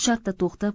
shartta to'xtab